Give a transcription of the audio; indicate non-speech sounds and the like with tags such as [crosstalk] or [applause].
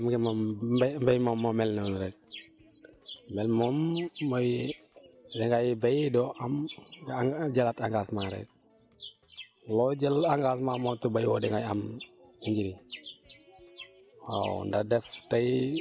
ah xanaa na gën a góorgóorlu rek te xam ne moom mbéy mbéy moom moo mel noonu rek mel moom mooy dangay béy doo am [hesitation] jëlaat engagement rek loo jël engagement moom te béyoo dangay am nji